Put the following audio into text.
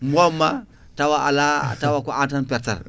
momma tawa ala tawa ko an tan pertata